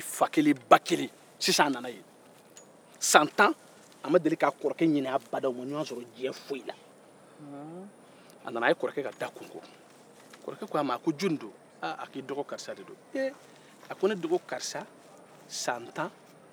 sisan a nana yen san tan a deli k'a kɔrɔkɛ ɲinin abada u ma ɲɔgɔn sɔrɔ diɲɛn foyi la a nana a ye kɔrɔke ka da konko kɔrɔkɛ k'a ma a ko jɔnni do aaa a k'i dɔgɔ karisa de do eee a ko ne dɔgɔ karisa san tan i ma n ɲini